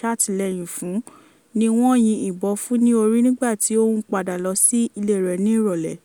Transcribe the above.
ṣàtìlẹ́yìn fún, ní wọ́n yin ìbọn fún ní orí nígbà tí ó ń padà lọ sí ilé rẹ̀ ní ìrọ̀lẹ́.